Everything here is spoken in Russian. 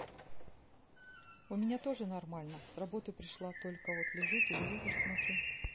у меня тоже нормально с работы пришла только вот лежу телевизор смотрю